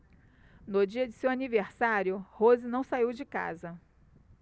no dia de seu aniversário rose não saiu de casa